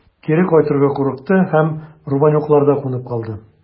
Кире кайтырга курыкты һәм Рубанюкларда кунып калды.